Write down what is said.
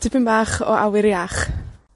tipyn bach o awyr iach.